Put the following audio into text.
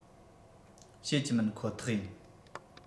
བྱེད ཀྱི མིན ཁོ ཐག ཡིན